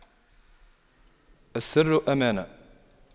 السر أمانة